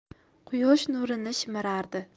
quyosh nurini shimirardi